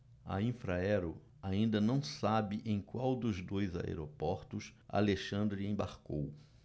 a infraero ainda não sabe em qual dos dois aeroportos alexandre embarcou